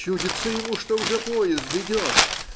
Чудится ему, что уже поезд идет.